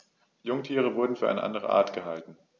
Jungtiere wurden für eine andere Art gehalten.